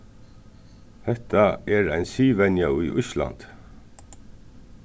hetta er ein siðvenja í íslandi